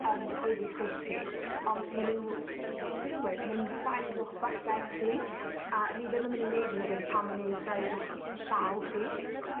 yn ofari chwith chi on' ma' n'w o pe' ma' nw'n weud ma' nw'n seis o'ch bysedd chi a ni ddim yn myn' i neud unryw beth tan ma' nw'n seis o'ch llaw chi.